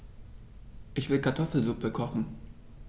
Ich will Kartoffelsuppe kochen.